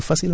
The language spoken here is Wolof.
waa